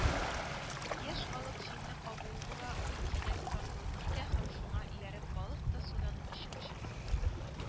Яшь балык җимне кабуы була, ул кинәт тартылып китә һәм шуңа ияреп балык та судан очып чыга